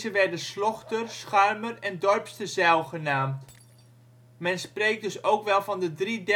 werden Slochter -, Scharmer - en Dorpster zijl genaamd. Men spreekt dus ook wel van " de drie Delfzijlen